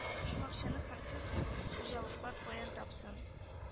Шул акчаны хәлсез хуҗалыклар каян тапсын